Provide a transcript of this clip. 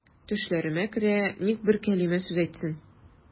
Төшләремә керә, ник бер кәлимә сүз әйтсен.